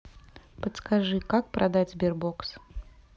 подскажи как продать sberbox